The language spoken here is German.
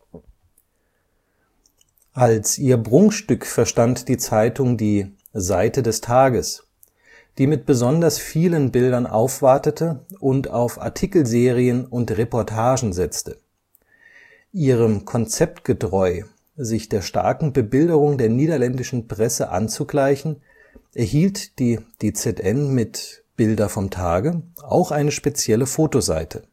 Als ihr Prunkstück verstand die Zeitung die „ Seite des Tages “, die mit besonders vielen Bildern aufwartete und auf Artikelserien und Reportagen setzte. Ihrem Konzept getreu, sich der starken Bebilderung der niederländischen Presse anzugleichen, erhielt die DZN mit „ Bilder vom Tage “auch eine spezielle Fotoseite